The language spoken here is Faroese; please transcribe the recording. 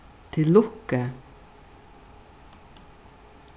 til lukku